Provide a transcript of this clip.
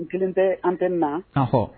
N kelen bɛ an tɛ na ka fɔɔ